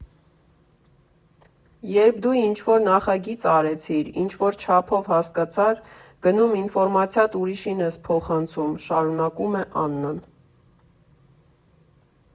Երբ դու ինչ֊որ նախագիծ արեցիր, ինչ֊որ չափով հասկացար, գնում ինֆորմացիադ ուրիշին ես փոխանցում, ֊ շարունակում է Աննան։